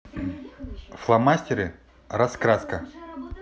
фломастеры раскраска